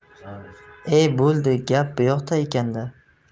e bo'ldi gap buyoqda ekan da